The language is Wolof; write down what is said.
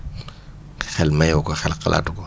xel maye wu ko xel xalaatu ko